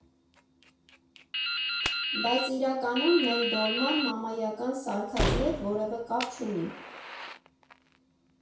Բայց իրականում մեր դոլման մամայական սարքածի հետ որևէ կապ չունի։